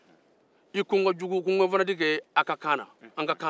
i ko n ka jugu ko n k'i dege an ka kan na